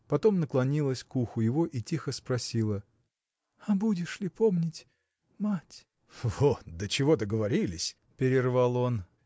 потом наклонилась к уху его и тихо спросила – А будешь ли помнить. мать? – Вот до чего договорились – перервал он